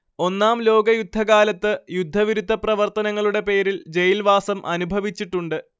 ഒന്നാം ലോകയുദ്ധകാലത്ത് യുദ്ധവിരുദ്ധ പ്രവർത്തനങ്ങളുടെ പേരിൽ ജയിൽവാസം അനുഭവിച്ചിട്ടുണ്ട്